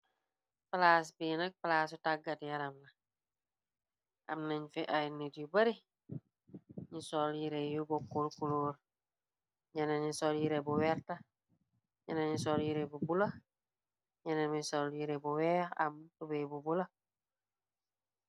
plaas biinak plaasu tàggat yaram la am nañ fi ay nit yu bari ñi sol yire yu bokkul kuluor ñena ni sol yire bu werta ñena ñi sol yire bu bula ñena mi sol yire bu weex am tube bu bula.